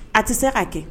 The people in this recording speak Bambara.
A tɛ se k ka kɛ